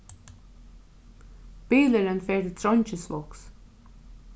bilurin fer til trongisvágs